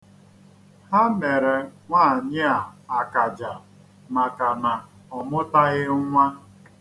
Ha mere nwaanyị a akaja maka na ọ mụtaghị nnwa.